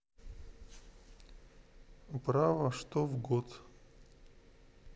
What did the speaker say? право что в год